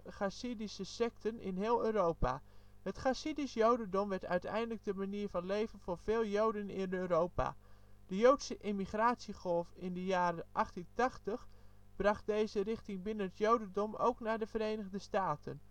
Chassidische sekten in heel Europa. Het Chassidisch jodendom werd uiteindelijk de manier van leven voor vele joden in Europa. De joodse immigratiegolf in de jaren 1880 bracht deze richting binnen het jodendom ook naar de Verenigde Staten